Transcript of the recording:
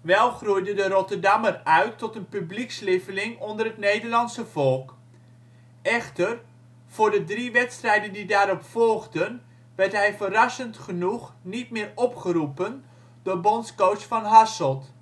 Wel groeide de Rotterdammer uit tot een publiekslieveling onder het Nederlandse volk. Echter, voor de drie wedstrijden die daarop volgden werd hij verrassend genoeg niet meer opgeroepen door bondscoach Van Hasselt